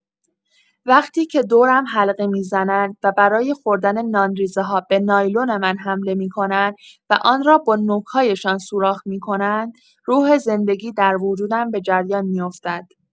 وقتی که دورم حلقه می‌زنند و برای خوردن نان‌ریزه‌ها به نایلون من حمله می‌کنند و آن را با نوک‌هایشان سوراخ می‌کنند، روح زندگی در وجودم به جریان می‌افتد.